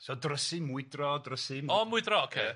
So drysu mwydro drysu m-... O mwydro ocê...